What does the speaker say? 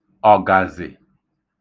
ọ̀gàzị̀